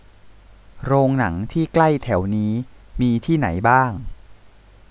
โรงหนังที่ใกล้แถวนี้มีที่ไหนบ้าง